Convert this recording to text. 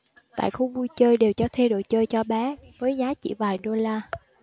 tại khu vui chơi đều cho thuê đồ chơi cho bé với giá chỉ vài đô la